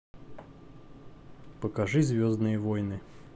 покажи звездные войны